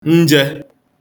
njē